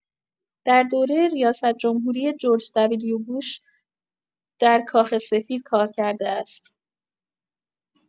در دوره ریاست‌جمهوری جورج دبلیو بوش، در کاخ سفید کار کرده است.